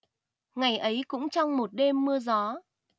ngày ấy cũng trong một đêm mưa gió